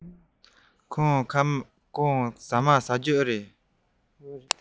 ཁོང ཁ ལག མཆོད ཀྱི མ རེད པས